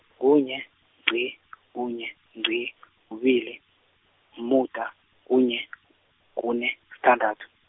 kunye, ngqi , kunye, ngqi, kubili, mumuda, kunye, kune, sithandathu.